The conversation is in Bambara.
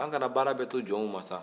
an kana baara bɛɛ to jɔnw ma sa